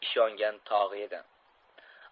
ishongan tog'i edi